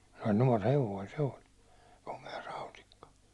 se oli nuori hevonen se oli komea rautikka